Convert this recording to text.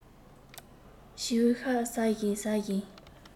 བྱིའུ ཤ ཟ བཞིན ཟ བཞིན